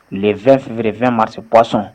22 marisipsɔn